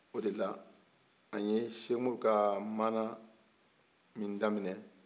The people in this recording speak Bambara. o de la an ye sɛki umaru ka maana min daminɛ